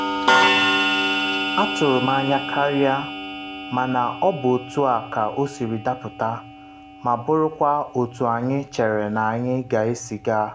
Atụrụ m anya karịa, mana ọ bụ otu a ka o siri dapụta ma bụrụkwa otu anyị chere na anyị ga-esi gaa.